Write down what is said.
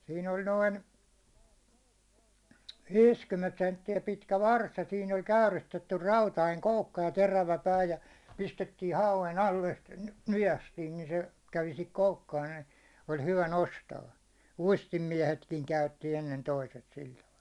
siinä oli noin viisikymmentä senttiä pitkä varsi ja siinä oli käyristetty rautainen koukka ja terävä pää ja pistettiin hauen alle sitten nykäistiin niin se kävi siihen koukkaan näin oli hyvä nostaa uistinmiehetkin käytti ennen toiset sillä tavalla